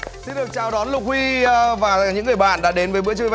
xin được chào đón lục huy ơ và những người bạn đã đến với bữa trưa